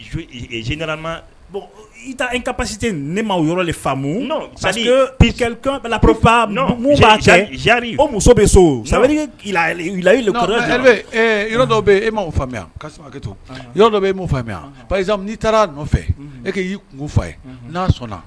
Z bɔn i ka pasi tɛ ne ma o yɔrɔ de famu sapri o muso bɛ so yɔrɔ bɛ e ma faamuya to yɔrɔ bɛ e faamuya n'i taara nɔfɛ e k' y'i kun fa ye n'a sɔnna